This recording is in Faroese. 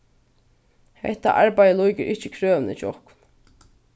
hetta arbeiðið lýkur ikki krøvini hjá okkum